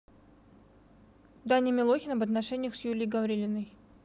даня милохин об отношениях с юлией гаврилиной